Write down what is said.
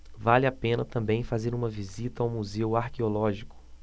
vale a pena também fazer uma visita ao museu arqueológico